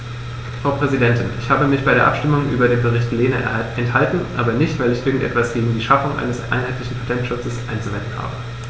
Frau Präsidentin, ich habe mich bei der Abstimmung über den Bericht Lehne enthalten, aber nicht, weil ich irgend etwas gegen die Schaffung eines einheitlichen Patentschutzes einzuwenden habe.